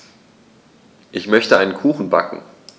Ich möchte einen Kuchen backen.